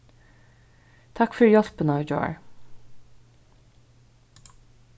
takk fyri hjálpina í gjár